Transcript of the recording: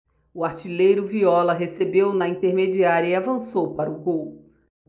o artilheiro viola recebeu na intermediária e avançou para o gol